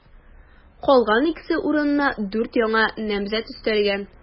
Калган икесе урынына дүрт яңа намзәт өстәлгән.